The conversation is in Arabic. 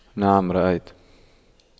نعم رأيت